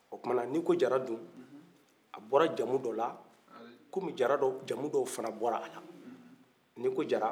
o kuma na ni ko jara dun a bɔra jamu dɔ la komi jaradɔwjamu dɔ bɔra a la ni ko jara